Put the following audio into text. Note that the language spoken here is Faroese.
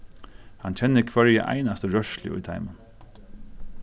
hann kennir hvørja einastu rørslu í teimum